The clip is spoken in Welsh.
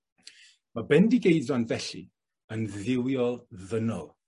Ma' Bendigeidfran felly yn dduwiol ddynol.